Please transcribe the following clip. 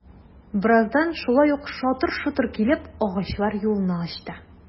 Бераздан шулай ук шатыр-шотыр килеп, агачлар юлны ачты...